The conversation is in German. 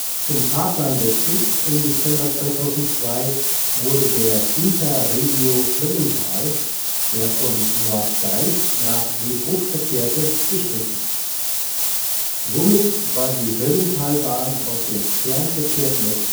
Zum Fahrplanwechsel im Dezember 2002 wurde der InterRegio „ Höllental “, der von Norddeich nach Seebrugg verkehrte, gestrichen. Somit war die Höllentalbahn aus dem Fernverkehrsnetz